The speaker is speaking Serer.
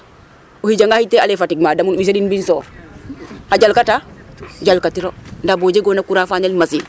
O xijanga xij te fadigue damun o ɓisan ii mbind soeur. Xar o jalkata, jalkatiro ndaa bo jegoona courant fa ñaaƴna machine.